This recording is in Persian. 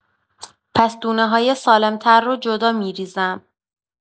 پس دونه‌های سالم‌تر رو جدا می‌ریزم.